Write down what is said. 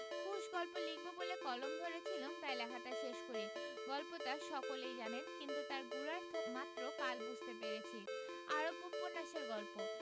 খুশ গল্প লিখব বলে কলম ধরেছিলুম তাই দিয়ে লেখাটা শেষ করি গল্পটা সকলেই জানেন কিন্তু তার গূঢ়ার্থ মাত্র কাল বুঝতে পেরেছি আরব্যোপন্যাসের গল্প